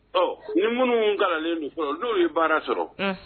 Ɔ ni munun kun kalanlen don fɔlɔ n ye baara sɔrɔ Unhun